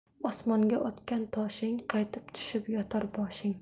osmonga otgan toshing qaytib tushib yorar boshing